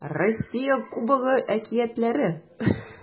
Россия Кубогы әкиятләре